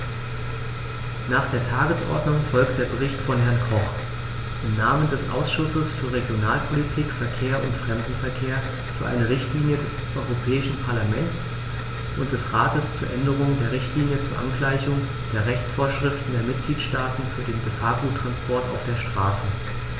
Nach der Tagesordnung folgt der Bericht von Herrn Koch im Namen des Ausschusses für Regionalpolitik, Verkehr und Fremdenverkehr für eine Richtlinie des Europäischen Parlament und des Rates zur Änderung der Richtlinie zur Angleichung der Rechtsvorschriften der Mitgliedstaaten für den Gefahrguttransport auf der Straße.